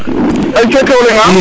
ASC ke o leŋ a